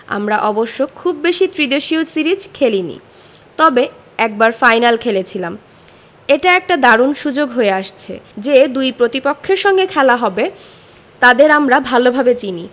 আমরা অবশ্য খুব বেশি ত্রিদেশীয় সিরিজ খেলেনি তবে একবার ফাইনাল খেলেছিলাম এটা একটা দারুণ সুযোগ হয়ে আসছে যে দুই প্রতিপক্ষের সঙ্গে খেলা হবে তাদের আমরা ভালোভাবে চিনি